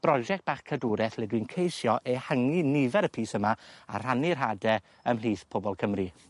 brosiect bach cadwreth le dwi'n ceisio ehangu nifer y pys yma a rhannu'r hade ymhlith pobol Cymru.